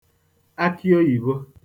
akịoyìbo